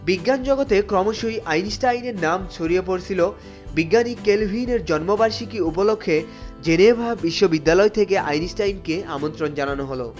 জগতে ক্রমশই আইনস্টাইনের নাম ছড়িয়ে পড়ছিল বিজ্ঞানী ক্যালভিন এর জন্মবার্ষিকী উপলক্ষে জেনেভা বিশ্ববিদ্যালয় থেকে আইনস্টাইনকে আমন্ত্রণ জানানো হলো